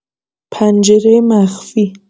پنجره مخفی